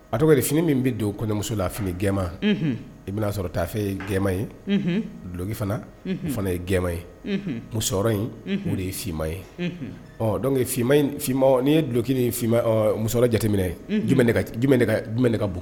A tɔgɔ fini min bɛ don kɔɲɔmuso la fini gɛnma i bɛna'a sɔrɔ taa'afe ye gɛnma ye duloki fana o fana ye gɛnma ye muso in o de ye sima ye dɔnkema n'i ye duloki musola jateminɛ jumɛn ne bɔ